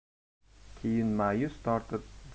keyin mayus tortib